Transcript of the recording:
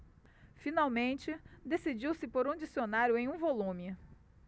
finalmente decidiu-se por um dicionário em um volume